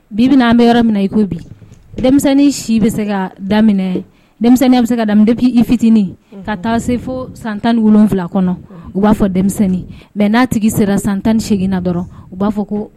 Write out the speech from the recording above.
Bi bɛna an bɛ yɔrɔ min na i ko bi denmisɛnnin si bɛ se ka daminɛ denmisɛnnin bɛ se ka daminɛ i fitinin ka taa sefo san tan ni wolon wolonwula kɔnɔ u b'a fɔ denmisɛnnin mɛ n'a tigi sera san tanni8eginna dɔrɔn u b'a fɔ ko